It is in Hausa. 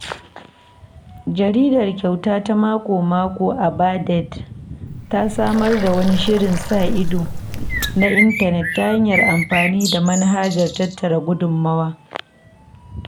Jaridar kyauta ta mako-mako, A Verdade, ta samar da wani shirin sa-ido na intanet ta hanyar amfani da manhajar tattara gudunmawa.